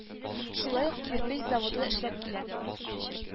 Шулай ук, кирпеч заводы да эшләп килә